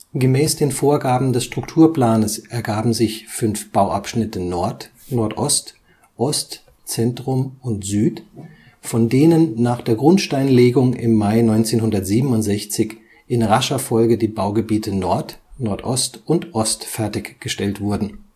den Vorgaben des Strukturplanes ergaben sich fünf Bauabschnitte (Nord, Nordost, Ost, Zentrum, Süd), von denen nach der Grundsteinlegung im Mai 1967 in rascher Folge die Baugebiete Nord, Nordost und Ost fertiggestellt wurden